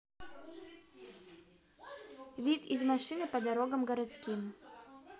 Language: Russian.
вид из машины по дорогам городским